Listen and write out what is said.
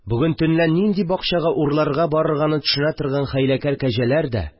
Бүген төнлә нинди бакчага урларга барырганы төшенә торган хәйләкәр кәҗәләр дә